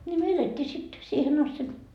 niin no elettiin sitten siihen asti